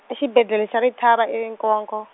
exibedlele xa Letaba eNkowankowa.